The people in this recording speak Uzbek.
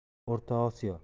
o'rta osiyo